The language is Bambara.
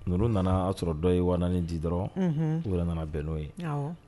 Ninnu nana a sɔrɔ dɔ ye wa di dɔrɔn nana bɛn n'o ye